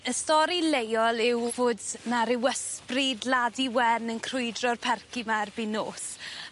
Y stori leol yw fod 'na ryw ysbrid ladi wen yn crwydro'r percy 'ma erbyn nos.